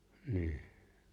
niin